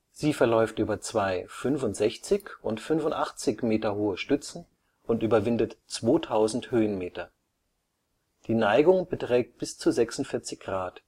Sie verläuft über zwei 65 und 85 Meter hohe Stützen und überwindet 2000 Höhenmeter. Die Neigung beträgt bis zu 46 Grad